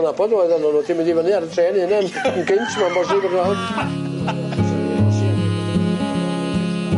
nw'n nabod oedden nw nw 'di mynd i fyny ar y trên 'u unan yn gynt ma'n bosib